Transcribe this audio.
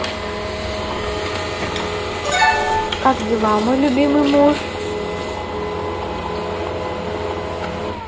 как дела мой любимый муж